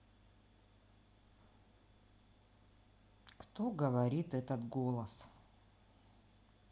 кто говорит этот голос